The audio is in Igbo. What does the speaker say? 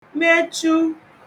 mechu